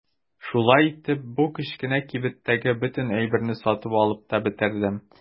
Шулай итеп бу кечкенә кибеттәге бөтен әйберне сатып алып та бетердем.